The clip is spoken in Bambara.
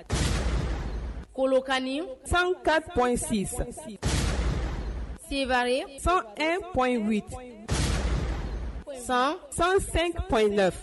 Kolokani 104.6, Sevare 101.8, San 105.9